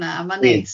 Na ma'n neis.